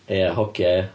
Ia, hogiau ia?